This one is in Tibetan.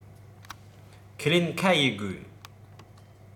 ཁས ལེན ཁ དབྱེ དགོས